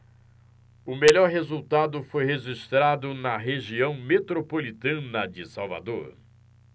o melhor resultado foi registrado na região metropolitana de salvador